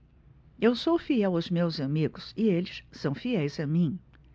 eu sou fiel aos meus amigos e eles são fiéis a mim